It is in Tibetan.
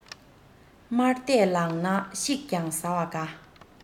དམར དད ལངས ན ཤིག ཀྱང ཟ བ དགའ